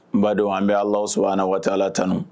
N ba dɔn an bɛ aw so an wa la tanun